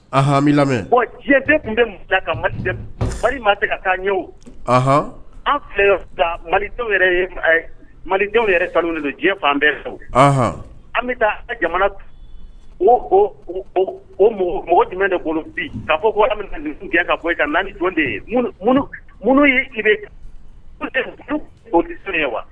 Bɔn diɲɛdenw tun bɛ mu ka ma tɛ ka' ɲɛ o an filɛ ta malidenw malidenw yɛrɛ kanu don diɲɛ fan bɛɛ fɛ an bɛ taa jamana mɔgɔ jumɛn de bolo bi ka fɔ ka bɔ ka ye minnu ye i o ye wa